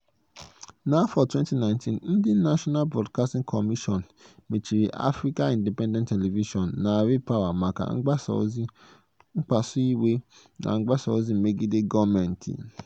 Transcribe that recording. N'afọ 2019, ndị National Broadcasting Commission (NBC) mechiri African Independent Television na RayPower FM maka mgbasa ozi mkpasu iwe na mgbasa ozi megide gọọmentị.